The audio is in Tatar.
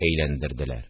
Әйләндерделәр